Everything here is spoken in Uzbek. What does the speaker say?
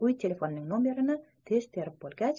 uy telefonining nomerini tez terib bo'lgach